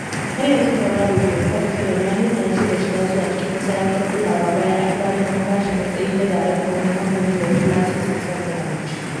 Har yanzu tauraro Game Ford Kieran ya nuna ya shirya shiga zuwa cikin masana’antar kulawa bayan an gano an ba shi matsayi na daraktan wani kamfani mai lasisin sayar da abinci.